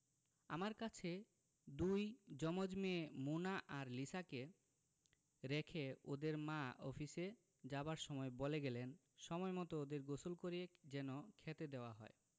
আমার কাছে দুই জমজ মেয়ে মোনা আর লিসাকে রেখে ওদের মা অফিসে যাবার সময় বলে গেলেন সময়মত ওদের গোসল করিয়ে যেন খেতে দেওয়া হয়